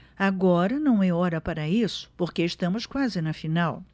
agora não é hora para isso porque estamos quase na final